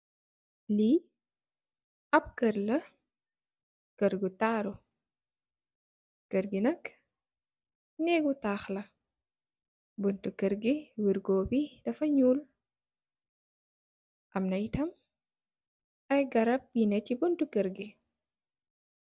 Li aap kuer la. Kuer gu taru. Kuer gi nak negu tahh. La buntu kuer gi, wirgu bi dafa nyul. Amna Itam aye garab yii neh si buntu kuer gi.